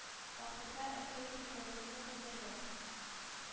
Ахырда Әнкәй бригадирны күндергән: